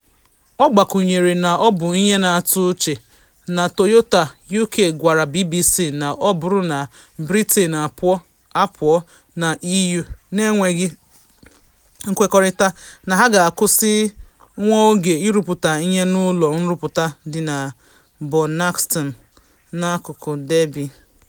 Ọ gbakwunyere na ọ bụ ihe “na-atụ uche” na Toyota UK gwara BBC na ọ bụrụ na Britain apụọ na EU na-enweghị nkwekọrịta, na ha ga-akwụsị nwa oge ịrụpụta ihe n’ụlọ nrụpụta dị na Burnaston, n’akụkụ Derby.